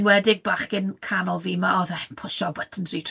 enwedig bachgen canol fi, ma' oedd e'n pwshio buttons fi